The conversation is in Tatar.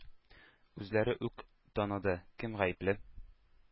Үзләре үк таныды. кем гаепле?